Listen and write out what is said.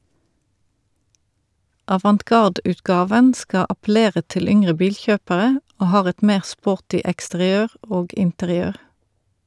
Avantgarde-utgaven skal appellere til yngre bilkjøpere og har et mer sporty eksteriør og interiør.